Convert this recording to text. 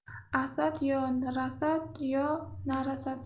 asad yo rasad yo narasad